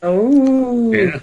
Ow. Ie.